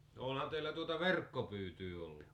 onhan teillä tuota verkkopyytöä ollut